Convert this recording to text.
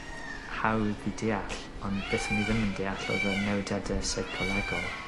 hawdd i deall ond beth o'n i ddim yn deall odd y newidiade seicolegol